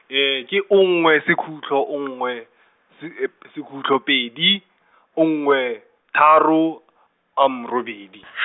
ke o nngwe sekhutlo nngwe, se- , sekhutlo pedi, nngwe, tharo, robedi.